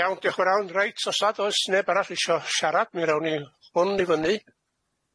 Iawn dioch yn fawr iawn reit os nad o's neb arall isio siarad mi rawn ni hwn i fyny.